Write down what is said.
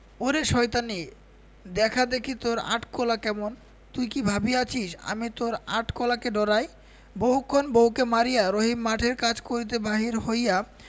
ওরে শয়তানী দেখা দেখি তোর আট কলা কেমন তুই কি ভাবিয়াছি আমি তোর আট কলাকে ডরাই বহুক্ষণ বউকে মারিয়া রহিম মাঠের কাজ করিতে বাহির হইয়া